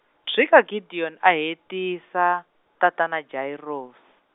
tshika Gideon a hetisa, tatana Jairus.